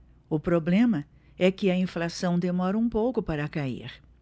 o problema é que a inflação demora um pouco para cair